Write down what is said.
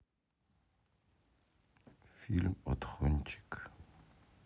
фильм отхончик